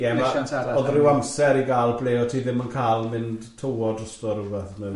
Ie. ... leisans arall. Ma' oedd ryw amser i gael ble o' ti ddim yn cael mynd tywod drosto rywbeth neu rywbeth.